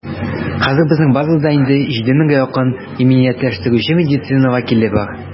Хәзер безнең базада инде 7 меңгә якын иминиятләштерүче медицина вәкиле бар.